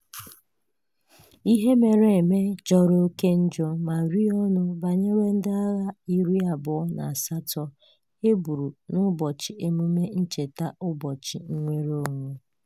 Ihe mere eme jọrọ oke njọ ma rie ọnụ banyere ndị agha 28 e gburu n'Ụbọchị Emume Nncheta Ụbọchị Nnwereonwe